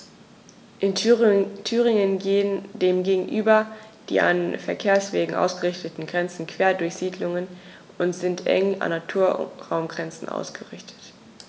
In Thüringen gehen dem gegenüber die an Verkehrswegen ausgerichteten Grenzen quer durch Siedlungen und sind eng an Naturraumgrenzen ausgerichtet.